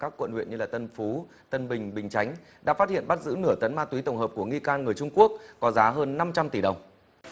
các quận huyện như là tân phú tân bình bình chánh đã phát hiện bắt giữ nửa tấn ma túy tổng hợp của nghi can người trung quốc có giá hơn năm trăm tỷ đồng